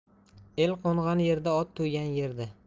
el qo'ngan yerda ot to'ygan yerda